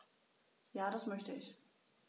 Ja, das möchte ich.